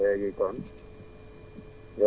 noonu la kay